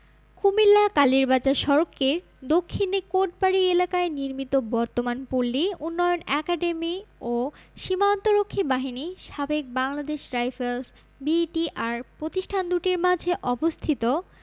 কুমিল্লা কালীরবাজার সড়কের দক্ষিণে কোটবাড়ি এলাকায় নির্মিত বর্তমান পল্লী উন্নয়ন অ্যাকাডেমি ও সীমান্ত রক্ষী বাহিনী সাবেক বাংলাদেশ রাইফেলস বি.ডি.আর প্রতিষ্ঠান দুটির মাঝে অবস্থিত